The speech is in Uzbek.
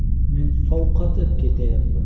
men sovqotib ketayapman